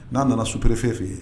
N'a nana supere fɛn fɛ yen